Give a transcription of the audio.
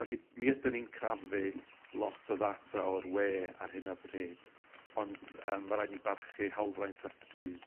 Felly mi ydyn ni'n crafu lot o ddata o'r we ar hyn o bryd, ond yym ma' raid ni barchu hawlfraint a thrwydd-